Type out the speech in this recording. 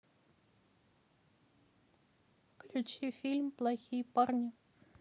включи фильм плохие парни